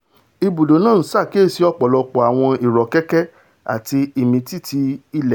Ibùdó náà ń ṣàkíyèsí ọ̀pọ̀lọpọ̀ àwọn ìrọ́kẹ̀kẹ̀ àti ìmìtìtì ilẹ̀.